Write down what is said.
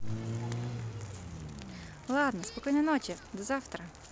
ладно спокойной ночи до завтра